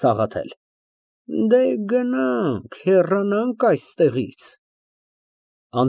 ԱՂԱԹԵԼ ֊ Դե, գնանք, հեռանանք այստեղից։